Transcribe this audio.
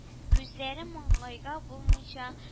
Күзләре маңгайда булмыйча